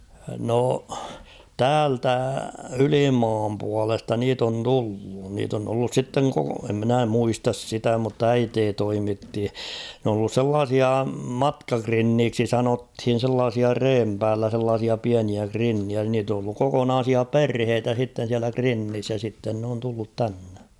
no täältä ylimaan puolesta niitä on tullut niitä on tullut sitten koko en minä muista sitä mutta äiti toimitti ne on ollut sellaisia matkakrinneiksi sanottiin sellaisia reen päällä sellaisia pieniä krinnejä niitä on ollut kokonaisia perheitä sitten siellä krinnissä ja sitten ne on tullut tänne